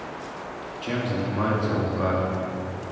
чем занимается лука